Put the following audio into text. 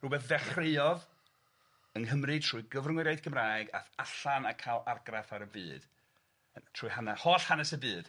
Rwbeth ddechreuodd yng Nghymru trwy gyfrwng yr iaith Gymraeg ath allan a ca'l argraff ar y byd? Yy trwy hannar- holl hanes y byd?